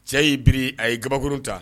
Cɛ y'i bi a y yei kabakuru ta